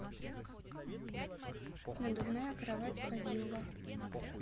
надувная кровать повилло